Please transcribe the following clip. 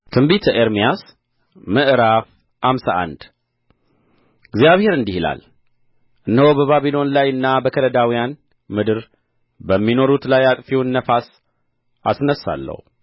ትንቢተ ኤርምያስ ምዕራፍ ሃምሳ ሁለት ምዕራፍ ሃምሳ አንድ እግዚአብሔር እንዲህ ይላል እነሆ በባቢሎን ላይና በከለዳውያን ምድር በሚኖሩት ላይ አጥፊውን ነፋስ አስነሣለሁ